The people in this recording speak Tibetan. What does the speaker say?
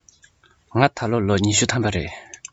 ང ད ལོ ལོ ཉི ཤུ ཐམ པ རེད